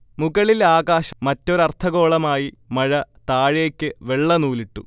മുകളിൽ ആകാശം, മറ്റൊരർദ്ധഗോളമായി മഴ താഴേക്ക് വെള്ളനൂലിട്ടു